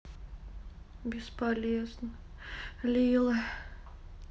болезненно lilo